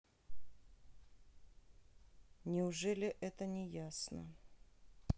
неужели это неясно